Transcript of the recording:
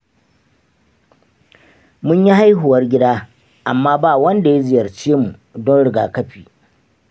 mun yi haihuwar gida, amma ba wanda ya ziyarcemu don rigakafi.